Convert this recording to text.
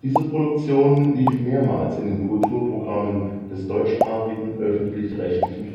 diese Produktion lief mehrmals in den Kulturprogrammen des deutschsprachigen öffentlich-rechtlichen